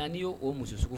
N' y'o muso